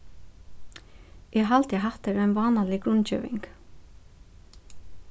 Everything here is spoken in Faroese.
eg haldi at hatta er ein vánalig grundgeving